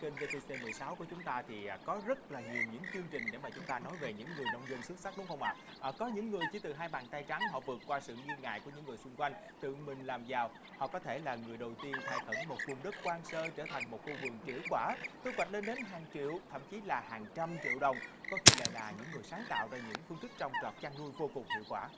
kênh vê tê xê mười sáu của chúng ta thì à có rất là nhiều những chương trình để mà chúng ta nói về những người nông dân xuất sắc đúng không ạ ở có những người chỉ từ hai bàn tay trắng họ vượt qua sự nghi ngại của những người xung quanh tự mình làm giàu họ có thể là người đầu tiên khai khẩn một vùng đất hoang sơ trở thành một khu vườn trĩu quả thu hoặt lên đến hàng triệu thậm chí là hàng trăm triệu đồng có khi lại là những người sáng tạo ra những phương thức trồng trọt chăn nuôi vô cùng hiệu quả